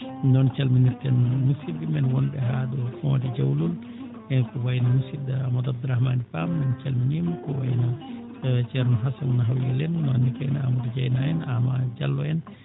noon calminirten musidɓe men wonɓe haa ɗo Foodé Jawlol e ko wayi no musidɗo Amadou Abdourahmany Pam en calminii mo ko wayi no ceerno Hassane * maa no ceerno Amadou Deiyna en Ama Diallo en